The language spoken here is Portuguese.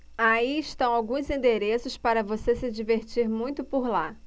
aí estão alguns endereços para você se divertir muito por lá